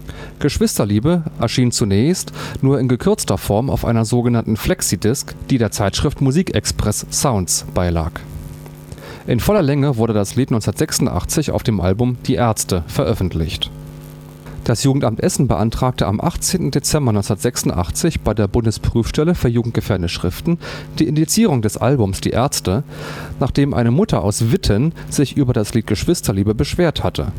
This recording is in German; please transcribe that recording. Geschwisterliebe erschien zunächst nur in gekürzter Form auf einer so genannten Flexi-Disk, die der Zeitschrift „ Musikexpress/Sounds “beilag. In voller Länge wurde das Lied 1986 auf dem Album „ Die Ärzte “veröffentlicht. Das Jugendamt Essen beantragte am 18. Dezember 1986 bei der Bundesprüfstelle für jugendgefährdende Schriften die Indizierung des Albums „ Die Ärzte “, nachdem eine Mutter aus Witten sich über das Lied „ Geschwisterliebe “beschwert hatte